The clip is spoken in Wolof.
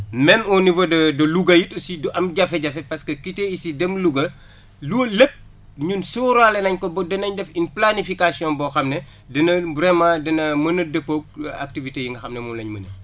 même au niveau de de Louga it aussi du am jafe-jafe parce que quitté ici dem Louga loolu lépp ñun sóoraale nañ ko ba danañ def une planification boo xam ne dina vraiment dina mën a dëppoog activités yi nga xam ne moom la ñu mené